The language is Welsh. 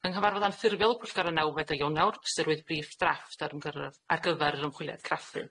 Yng nghyfarfod anffurfiol y pwyllgor ar y nawfed o Ionawr, ystyriwyd briff drafft ar ymgyry- ar gyfer yr ymchwiliad craffu.